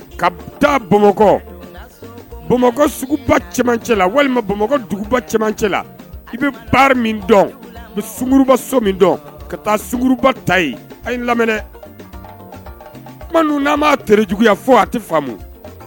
Ka ba bamakɔ bamakɔ suguba cɛmancɛ la walima bamakɔduguba cɛmancɛ la i bɛ baara min dɔn i bɛ sunba so min dɔn ka taa sunba ta ye a n lamɛninɛ n'a m maa terijugu fo a tɛ faamu